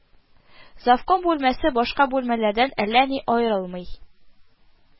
Завком бүлмәсе башка бүлмәләрдән әллә ни аерылмый